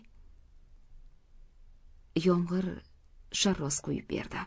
yomg'ir sharros quyib berdi